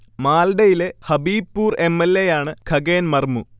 മാൽഡയിലെ Habibpur M. L. A. യാണ് ഖഗേൻ മർമു